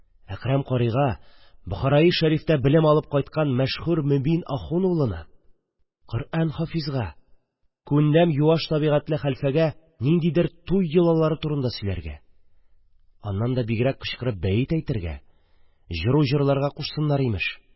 Әкрәм карыйга – Бохараи шәрифтә белем алып кайткан мәшһүр Мөбин ахун улына, Коръән хафизга, күндәм, юаш тәбигатьле хәлфәгә ниндидер туй йолалары турында сөйләргә, аннан да бигрәк кычкырып бәет әйтергә, җыру җырларга кушсыннар, имеш!